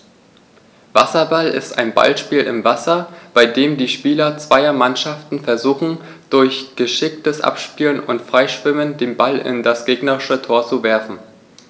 Wasserball ist ein Ballspiel im Wasser, bei dem die Spieler zweier Mannschaften versuchen, durch geschicktes Abspielen und Freischwimmen den Ball in das gegnerische Tor zu werfen.